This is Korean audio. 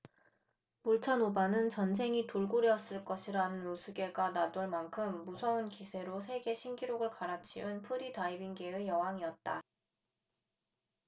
몰차노바는 전생이 돌고래였을 것이라는 우스개가 나돌만큼 무서운 기세로 세계신기록을 갈아치운 프리다이빙계의 여왕이었다